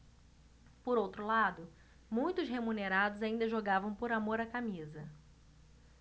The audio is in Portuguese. por outro lado muitos remunerados ainda jogavam por amor à camisa